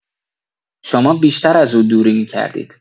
شما بیشتر از او دوری می‌کردید.